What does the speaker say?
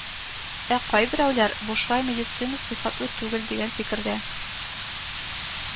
Ә кайберәүләр бушлай медицина сыйфатлы түгел дигән фикердә